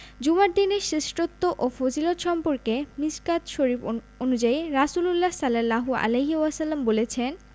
জুমার দিনের শ্রেষ্ঠত্ব ও ফজিলত সম্পর্কে মিশকাত শরিফ অনু অনুযায়ী রাসুলুল্লাহ সা বলেছেন